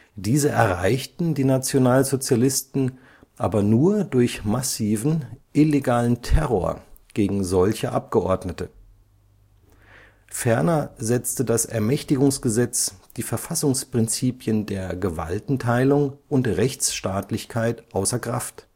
Diese erreichten die Nationalsozialisten aber nur durch massiven, illegalen Terror gegen solche Abgeordnete. Ferner setzte das Ermächtigungsgesetz die Verfassungsprinzipien der Gewaltenteilung und Rechtsstaatlichkeit außer Kraft